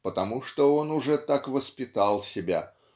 потому что он уже так воспитал себя